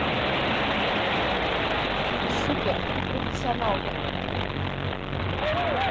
супер ты профессионалка